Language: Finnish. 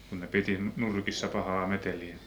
kun ne piti nurkissa pahaa meteliä